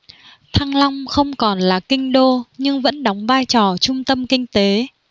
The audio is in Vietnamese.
thăng long không còn là kinh đô nhưng vẫn đóng vai trò trung tâm kinh tế